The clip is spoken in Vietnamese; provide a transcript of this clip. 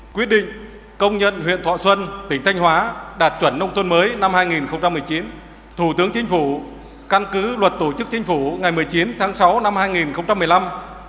quyết định công nhận huyện thọ xuân tỉnh thanh hóa đạt chuẩn nông thôn mới năm hai nghìn không trăm mười chín thủ tướng chính phủ căn cứ luật tổ chức chính phủ ngày mười chín tháng sáu năm hai nghìn không trăm mười lăm